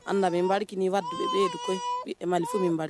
An labɛn nbari bɛ malifo minbari